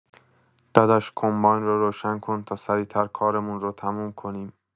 داداش، کمباین رو روشن کن تا سریع‌تر کارمون رو تموم کنیم.